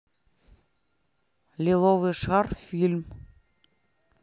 лиловый шар фильм